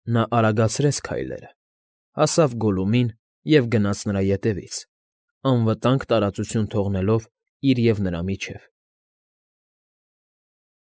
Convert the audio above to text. Նա արագացրեց քայլերը, հասավ Գոլլումին և գնաց նրա ետևից, անվտանգ տարածություն թողնելով իր և նրա միջև։